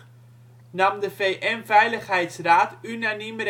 nam de VN Veiligheidsraad unaniem